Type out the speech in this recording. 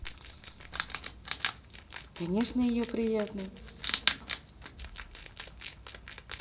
конечно ее приятный